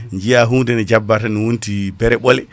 jiiya hunde ne jabba tan ne wonti beere ɓole